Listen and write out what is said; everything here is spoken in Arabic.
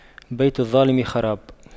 بيت الظالم خراب